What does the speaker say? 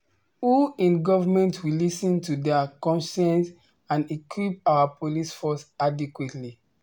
Who in government will listen to their conscience and equip our police force adequately?